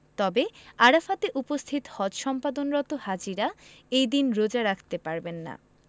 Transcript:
তবে আরাফাতে উপস্থিত হজ সম্পাদনরত হাজিরা এই দিন রোজা রাখতে পারবেন না